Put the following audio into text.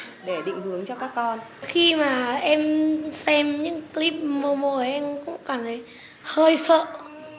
để định hướng cho các con khi mà em xem những cờ líp mô mô ấy em cũng cảm thấy hơi sợ